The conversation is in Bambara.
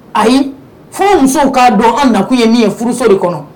Ayi fɔ musow k'a dɔn ka nakun ye min ye furuso de kɔnɔ